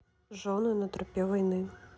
жены на тропе войны